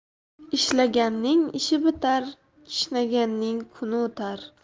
ishlaganning ishi bitar kishnaganning kuni o'tar